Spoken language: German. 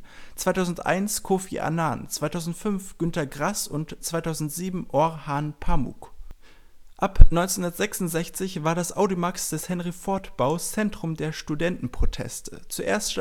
2001 Kofi Annan, 2005 Günter Grass und 2007 Orhan Pamuk. Ab 1966 war das Audimax des Henry-Ford-Baus Zentrum der Studentenproteste. Zuerst